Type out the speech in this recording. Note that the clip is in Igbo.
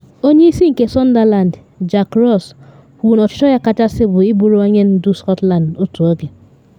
Onye isi nke Sunderland Jack Ross kwuru na “ọchịchọ ya kachasị” bụ ịbụrụ onye ndu Scotland otu oge.